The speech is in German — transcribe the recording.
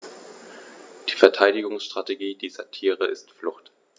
Die Verteidigungsstrategie dieser Tiere ist Flucht.